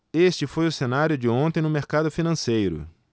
este foi o cenário de ontem do mercado financeiro